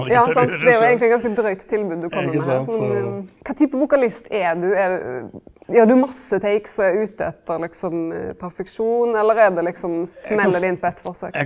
ja sant det er jo eigenteig eit ganske drygt tilbod du kjem med, men kva type vokalist er du er du gjer du masse takes og er ute etter liksom perfeksjon, eller er det liksom smeller det inn på eitt forsøk?